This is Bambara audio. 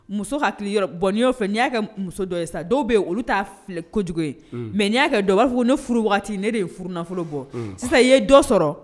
Muso hakili bɔn fɛ n'i y'a kɛ muso dɔ ye sa dɔw bɛ yen olu' kojugu ye mɛ n' kɛ don b'a fɔ ne furu waati ne de ye furu nafolo bɔ sisan i ye dɔ sɔrɔ